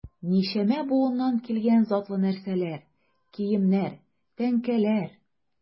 Ничәмә буыннан килгән затлы нәрсәләр, киемнәр, тәңкәләр...